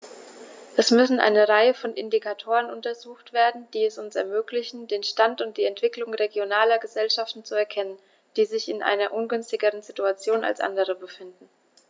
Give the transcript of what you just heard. Es müssen eine Reihe von Indikatoren untersucht werden, die es uns ermöglichen, den Stand und die Entwicklung regionaler Gesellschaften zu erkennen, die sich in einer ungünstigeren Situation als andere befinden.